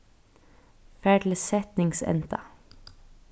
far til setningsenda